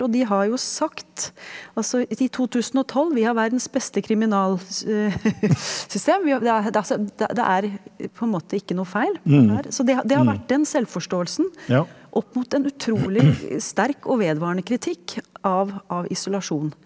og de har jo sagt altså i totusenogtolv, vi har verdens beste kriminalsystem, vi er så altså det det er på en måte ikke noe feil med det her, så det har det har vært den selvforståelsen opp mot en utrolig sterk og vedvarende kritikk av av isolasjon.